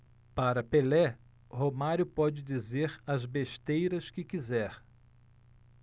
para pelé romário pode dizer as besteiras que quiser